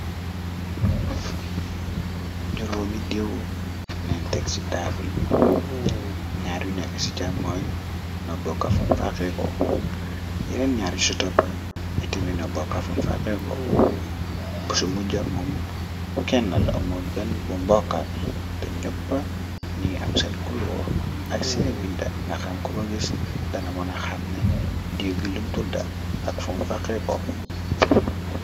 juróomi diiw neen teg ci taabul bi ñaar yu nekk ci càm mooy na bokkafun faxe ko yeneen ñaar yu si toppa etémi na bokkafun faxxeeko busu mujja moom kennal amul benn bu mbokkaak te ñoppa ni am seen kuloor ak seni bind nga xam ko ko gis dana mona xam ne diiw gi lum tudda ak foon faxeeko